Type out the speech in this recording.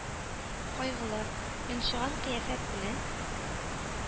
Кайгылы, йончыган кыяфәт белән,